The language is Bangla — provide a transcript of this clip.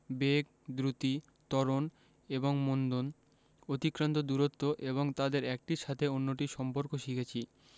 বেগ দ্রুতি ত্বরণ এবং মন্দন অতিক্রান্ত দূরত্ব এবং তাদের একটির সাথে অন্যটির সম্পর্ক শিখেছি